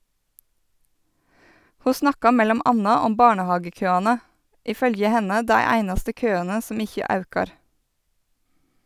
Ho snakka mellom anna om barnehagekøane, i følgje henne dei einaste køane som ikkje aukar.